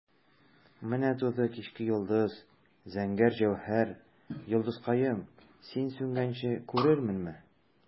Менә туды кичке йолдыз, зәңгәр җәүһәр, йолдызкаем, син сүнгәнче күрерменме?